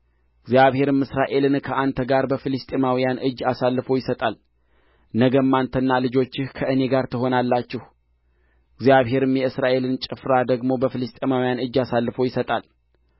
እግዚአብሔርም እስራኤልን ከአንተ ጋር በፍልስጥኤማውያን እጅ አሳልፎ ይሰጣል ነገም አንተና ልጆችህ ከእኔ ጋር ትሆናላችሁ እግዚአብሔርም የእስራኤልን ጭፍራ ደግሞ በፍልስጥኤማውያን እጅ አሳልፎ ይሰጣል